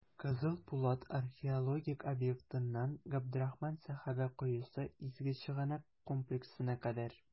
«кызыл пулат» археологик объектыннан "габдрахман сәхабә коесы" изге чыганак комплексына кадәр.